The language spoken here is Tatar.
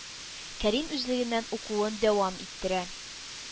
Кәрим үзлегеннән укуын дәвам иттерә.